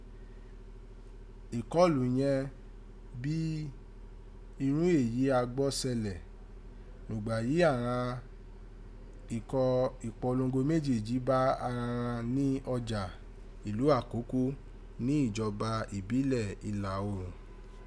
Ikọlu yẹ̀n bi irun èyí a gbọ́ sẹlẹ̀ nùgba èyí àghan ikọ ipolongo mejeeji ba ara ghan ni òjà ilu Akoko ni ijọba ibilẹ Ìlà Oòrun.